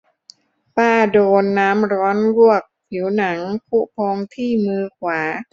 ป้าโดนน้ำร้อนลวกผิวหนังพุพองที่มือขวา